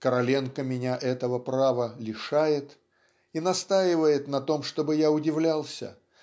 Короленко меня этого права лишает и настаивает на том чтобы я удивлялся